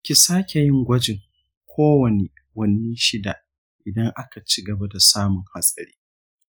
ki sakeyin gwajin kowani wanni shida idan aka cigaba da samun hatsari.